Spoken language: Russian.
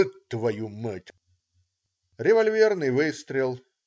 твою мать?!" Револьверный выстрел.